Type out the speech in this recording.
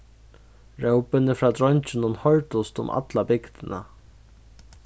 rópini frá dreingjunum hoyrdust um alla bygdina